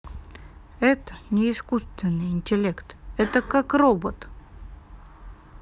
это не искусственный интеллект это как робот